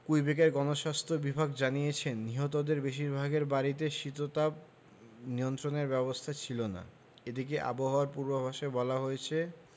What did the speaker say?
কুইবেকের গণস্বাস্থ্য বিভাগ জানিয়েছে নিহতদের বেশিরভাগের বাড়িতে শীতাতপ নিয়ন্ত্রণের ব্যবস্থা ছিল না এদিকে আবহাওয়ার পূর্বাভাসে বলা হয়েছে